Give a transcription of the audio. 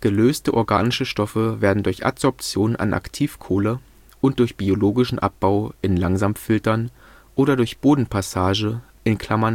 Gelöste organische Stoffe werden durch Adsorption an Aktivkohle und durch biologischen Abbau in Langsamfiltern oder durch Bodenpassage